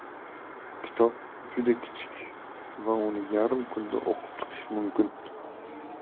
kitob juda kichik va uni yarim kunda o'qib chiqish mumkin